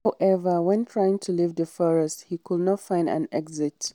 However, when trying to leave the forest, he could not find an exit.